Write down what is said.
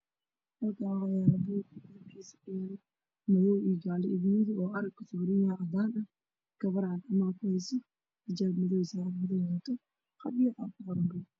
Halkaan waa sawir kamuuqdo labo ari